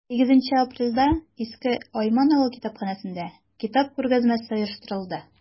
8 апрельдә иске айман авыл китапханәсендә китап күргәзмәсе оештырылды.